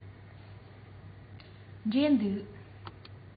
འབྲས འདུག